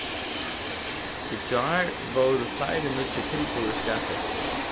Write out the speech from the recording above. í gjár vóru fleiri nýggir tilburðir staðfestir